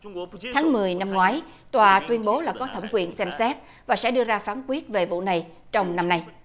tháng mười năm ngoái tòa tuyên bố là có thẩm quyền xem xét và sẽ đưa ra phán quyết về vụ này trong năm nay